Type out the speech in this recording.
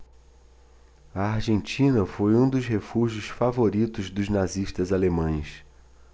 a argentina foi um dos refúgios favoritos dos nazistas alemães